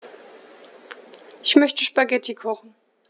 Ich möchte Spaghetti kochen.